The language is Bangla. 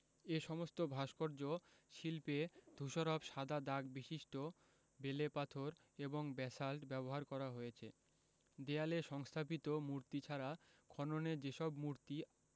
এ সমস্ত ভাস্কর্য শিল্পে ধূসরাভ সাদা দাগ বিশিষ্ট বেলে পাথর এবং ব্যাসাল্ট ব্যবহার করা হয়েছে দেয়ালে সংস্থাপিত মূর্তি ছাড়া খননে যেসব মূর্তি